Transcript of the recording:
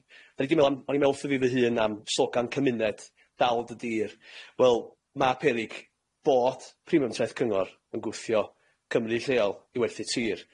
'Dan ni 'di me'wl am... O'n i me'wl wrtho fi fy hun am slogan cymuned, 'Dal dy dir'. Wel ma' peryg fod premiwm treth cyngor yn gwthio Cymry lleol i werthu tir.